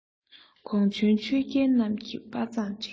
གོང བྱོན ཆོས རྒྱལ རྣམས ཀྱིས དཔའ མཛངས དྲན